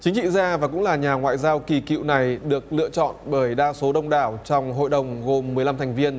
chính trị gia và cũng là nhà ngoại giao kỳ cựu này được lựa chọn bởi đa số đông đảo trong hội đồng gồm mười lăm thành viên